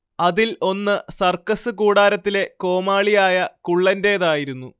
അതിൽ ഒന്ന് സർക്കസ് കൂടാരത്തിലെ കോമാളിയായ കുള്ളന്റേതായിരുന്നു